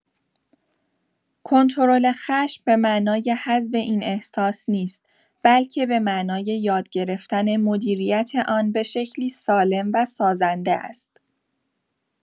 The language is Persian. کنترل خشم به معنای حذف این احساس نیست، بلکه به معنای یاد گرفتن مدیریت آن به شکلی سالم و سازنده است.